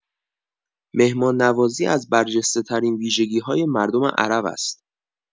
مهمان‌نوازی از برجسته‌ترین ویژگی‌های مردم عرب است.